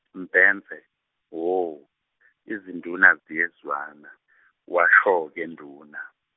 Mbhense hho izinduna ziyezwana washo ke nduna.